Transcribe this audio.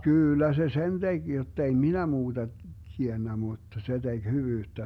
kyllä se sen teki jotta ei minä muuta tiennyt mutta se teki hyvyyttä